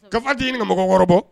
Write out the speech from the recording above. Ka d ka mɔgɔkɔrɔba bɔ